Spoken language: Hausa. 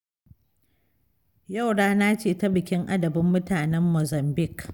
Yau rana ce ta bikin adabin mutanen Mozambic.